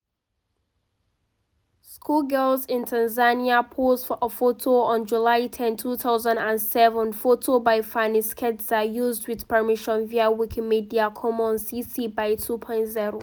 Schoolgirls in Tanzania pose for a photo on July 10, 2007. Photo by Fanny Schertzer, used with permission via Wikimedia Commons, CC BY 2.0.